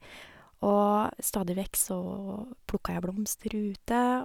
Og stadig vekk så plukka jeg blomster ute.